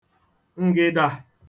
ǹgị̀dà